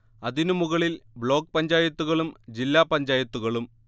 അതിനു മുകളിൽ ബ്ലോക്ക് പഞ്ചായത്തുകളും ജില്ലാപഞ്ചായത്തുകളും